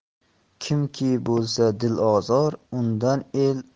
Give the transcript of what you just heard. kimki bo'lsa dilozor undan